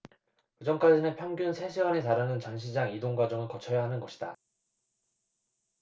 그 전까지는 평균 세 시간에 달하는 전시장 이동과정을 거쳐야 하는 것이다